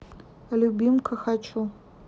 любимка хочу